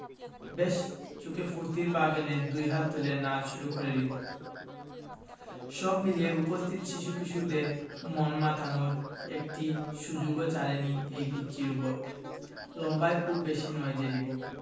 ব্যাস চোখে ফূর্তির ভাব এনে দুই হাত তুলে নাচ শুরু করে রিবো সব মিলিয়ে উপস্থিত শিশু কিশোরদের মন মাতানোর একটি সুযোগও ছাড়েনি এই পিচ্চি রোবট লম্বায় খুব বেশি নয় যে রিবো